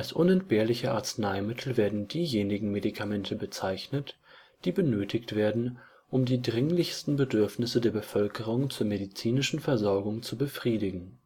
unentbehrliche Arzneimittel werden diejenigen Medikamente bezeichnet, die benötigt werden, um die dringlichsten Bedürfnisse der Bevölkerung zur medizinischen Versorgung zu befriedigen